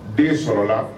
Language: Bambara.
Den sɔrɔla